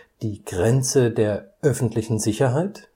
die Grenze der öffentlichen Sicherheit